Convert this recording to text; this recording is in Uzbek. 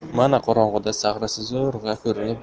mana qorong'ida sag'risi zo'rg'a